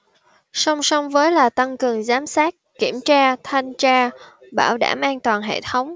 song song với là tăng cường giám sát kiểm tra thanh tra bảo đảm an toàn hệ thống